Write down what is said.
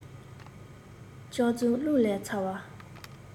སྐྱག རྫུན རླུང ལས ཚ བ